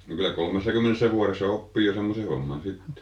no kyllä kolmessakymmenessä vuodessa oppii jo semmoisen homman sitten